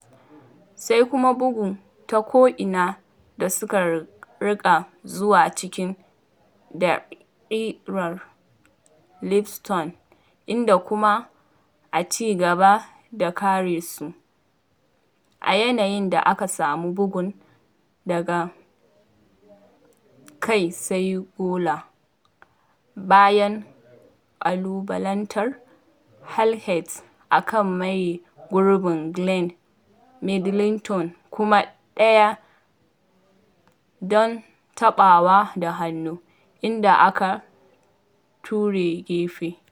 Sai kuma bugu ta ko’ina da suka riƙa zuwa cikin da'irar Livingston inda kuma a ci gaba da karesu, a yayin da aka samu bugun daga kai sai gola - bayan ƙalubalantar Halkett a kan maye gurbin Glenn Middleton, kuma ɗaya don taɓawa da hannu - inda aka ture gefe.